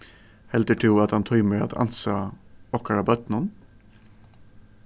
heldur tú at hann tímir at ansa okkara børnum